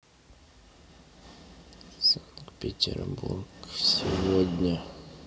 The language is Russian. санкт петербург сегодня